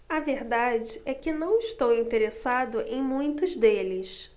a verdade é que não estou interessado em muitos deles